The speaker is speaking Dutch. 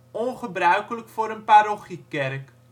ongebruikelijk voor een parochiekerk